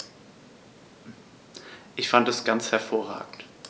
Ich fand das ganz hervorragend.